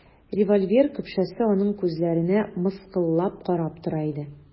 Револьвер көпшәсе аның күзләренә мыскыллап карап тора иде.